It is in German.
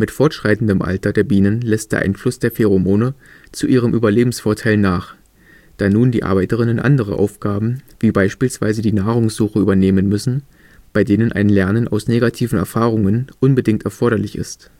fortschreitendem Alter der Bienen lässt der Einfluss der Pheromone zu ihrem Überlebensvorteil nach, da nun die Arbeiterinnen andere Aufgaben wie beispielsweise die Nahrungssuche übernehmen müssen, bei denen ein Lernen aus negativen Erfahrungen unbedingt erforderlich ist